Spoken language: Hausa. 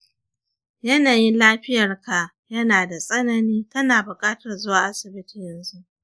yanayin lafiyarka yana da tsanani, kana buƙatar zuwa asibiti yanzu